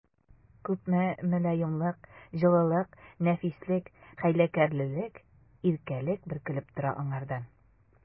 Күпме мөлаемлык, җылылык, нәфислек, хәйләкәрлек, иркәлек бөркелеп тора аңардан!